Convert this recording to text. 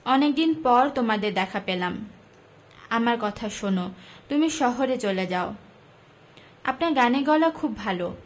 অনেকদিন পর তোমাদের দেখা পেলাম আমার কথা শোন তুমি শহরে চলে যাও আপনার গানের গলা খুব ভালো